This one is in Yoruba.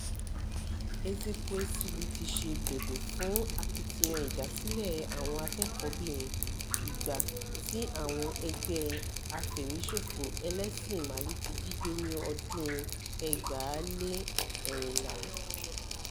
Ezekwesili ti ṣe bẹbẹ nínú akitiyan ìdásílẹ̀ àwọn akẹ́kọ̀ọ́-bìnrin 200 tí ọmọ ẹgbẹ́ afẹ̀míṣòfo Ẹlẹ́sìn ìmale jí gbé ní ọdún 2014.